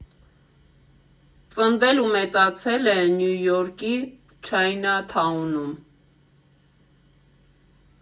Ծնվել ու մեծացել է Նյու Յորքի Չայնաթաունում։